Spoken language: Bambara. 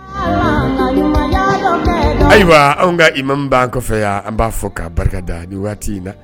Ayiwa ka ilimaan kɔfɛ yan an b'a fɔ k kaa barika da waati in na